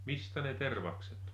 mistä ne tervakset